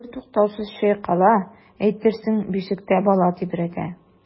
Үзе бертуктаусыз чайкала, әйтерсең бишектә бала тибрәтә.